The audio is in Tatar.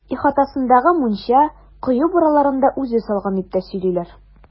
Ихатасындагы мунча, кое бураларын да үзе салган, дип тә сөйлиләр.